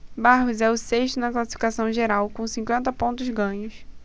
barros é o sexto na classificação geral com cinquenta pontos ganhos